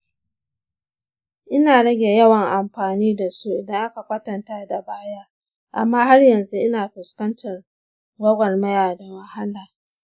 ina rage yawan amfani da su idan aka kwatanta da baya amma har yanzu ina fuskantar gwagwarmaya da wahala.